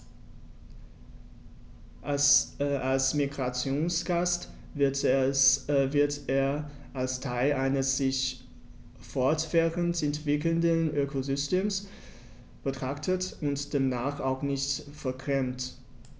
Als Migrationsgast wird er als Teil eines sich fortwährend entwickelnden Ökosystems betrachtet und demnach auch nicht vergrämt.